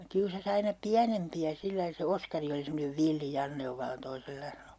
kiusasi aina pienempiä sillä lailla se Oskari oli semmoinen villi Janne on vallan toisenlainen ollut